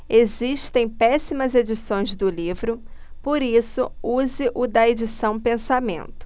existem péssimas edições do livro por isso use o da edição pensamento